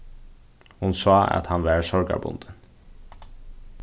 hon sá at hann var sorgarbundin